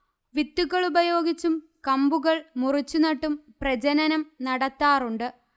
വിത്തുകളുപയോഗിച്ചും കമ്പുകൾ മുറിച്ചു നട്ടും പ്രജനനം നടത്താറുണ്ട്